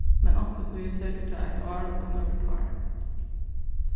men onkuntíð tekur tað eitt ár og nøkur tár